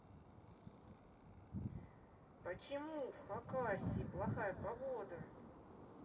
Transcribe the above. почему в хакассии плохая погода